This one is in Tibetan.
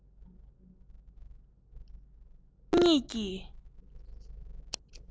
ཆོས ཉིད ཀྱི